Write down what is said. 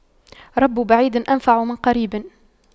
رب بعيد أنفع من قريب